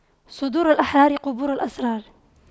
صدور الأحرار قبور الأسرار